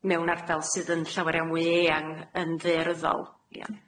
mewn ardal sydd yn llawer iawn mwy eang yn ddaearyddol. Ia.